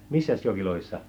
missäs joissa